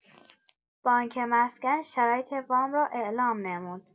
بانک مسکن شرایط وام را اعلام نمود.